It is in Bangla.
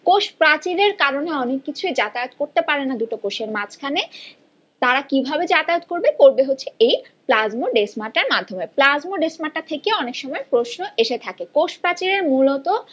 কোষ প্রাচীরের কারণে অনেক কিছু যাতায়াত করতে পারে না দুটো কোষের মাঝখানে তারা কিভাবে যাতায়াত করবে করবে হচ্ছে এই প্লাজমোডেজমাটার মাধ্যমে প্লাজমোডেসমাটা থেকে অনেক সময় প্রশ্ন এসে থাকে কোষ প্রাচীরের মূলত